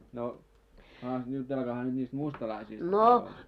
no jutelkaahan nyt niistä mustalaisista silloin oli